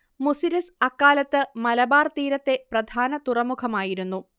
മുസിരിസ് അക്കാലത്ത് മലബാർ തീരത്തെ പ്രധാന തുറമുഖമായിരുന്നു